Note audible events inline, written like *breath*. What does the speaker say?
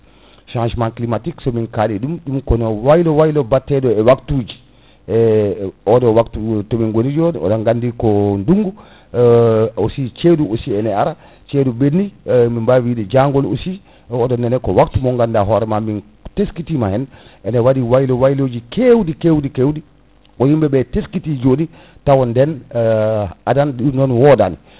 changement climatique somin kaali ɗum kono waylo waylo batteɗo e waptuji e oɗo waptu to min goni joni oɗon gandi ko nduggu *hesitation* aussi ceeɗu aussi ene ara ceeɗu ɓenni e min bawi wide jangol aussi oɗonnene ko waptu mo ganduɗa hoorema min teksitima hen ene waɗi waylo waylo ji kewɗi kewɗi kewɗi mo yimɓeɓe teskiti joni *breath* tawa nden *hesitation* adana ɗin ɗon wodani